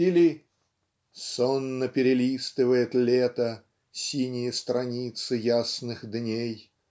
Или: Сонно перелистывает лето Синие страницы ясных дней.